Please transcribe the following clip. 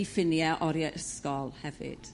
i ffinie orie ysgol hefyd.